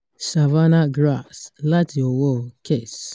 1. "Savannah Grass" láti ọwọ́ọ Kes